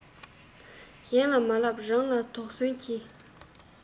གཞན ལ མ ལབ རང ལ དོགས ཟོན གྱིས